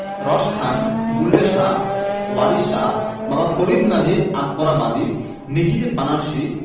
রস খান বুল্লে শাহ ওয়ারিশ শাহ বাবা ফরিদ নজির আকবরাবাদি নিজির বানারসি